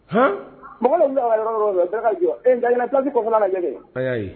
Hɔn mɔgɔ min bɛ yɔrɔ bɛɛ ka jɔ kaji koumana ɲɛ